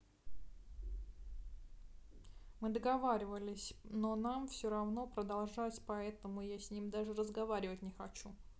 мы договаривались но нам все равно продолжать поэтому я с ним даже разговаривать не хочу